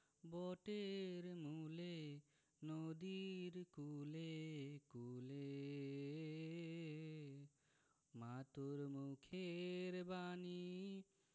বটের মূলে নদীর কূলে কূলে মা তোর মুখের বাণী